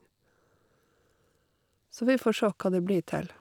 Så vi får sjå hva det blir til.